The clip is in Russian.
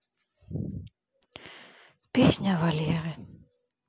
песня валеры